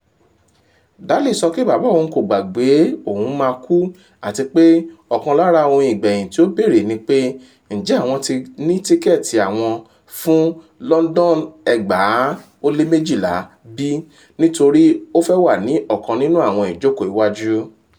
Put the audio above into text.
Daley sọ pé bàbá òun kò gbà pé òun máa kú àti pé ọ̀kan lára ohun ìgbẹ̀yìn tí ó bèèrè ni pé ǹjẹ́ àwọn ti ní tíkẹ́ẹ̀tì àwọn fún London 2012 bí - nítórí ó fẹ́ wà ní ọ̀kan nínú àwọn ìjókò ìwájú.